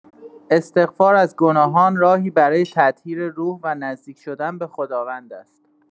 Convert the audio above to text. استغفار از گناهان، راهی برای تطهیر روح و نزدیک‌شدن به خداوند است.